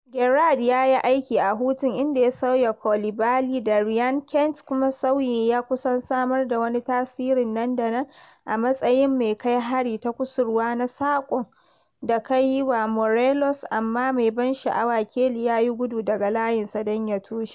Gerrard ya yi aiki a hutun inda ya sauya Coulibaly da Ryan Kent kuma sauyi ya kusan samar da wani tasirin nan da nan a matsayin mai kai hari ta kusurwa na sakun da ka yi wa Morelos amma mai ban sha’awa Kelly ya yi gudu daga layinsa don ya toshe.